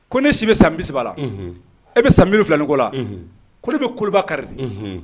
Ko ne si bɛ san biba la e bɛ sanururi filanin ko la ko e bɛ koloba karidi